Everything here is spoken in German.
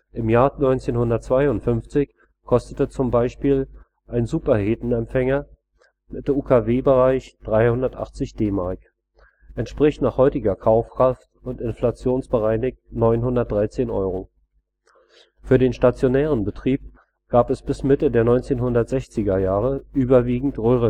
Im Jahre 1952 kostete z. B. ein Superhetempfänger mit UKW-Bereich 380 DM (entspricht nach heutiger Kaufkraft und inflationsbereinigt 937 Euro). Für den stationären Betrieb gab es bis Mitte der 1960er Jahre überwiegend Röhrengeräte